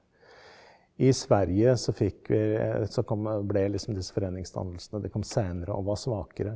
i Sverige så fikk vi så kom ble liksom disse foreningsdannelsene de kom seinere og var svakere.